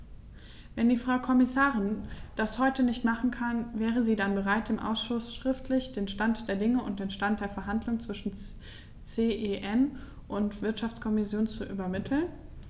Wenn die Frau Kommissarin das heute nicht machen kann, wäre sie dann bereit, dem Ausschuss schriftlich den Stand der Dinge und den Stand der Verhandlungen zwischen CEN und Wirtschaftskommission zu übermitteln?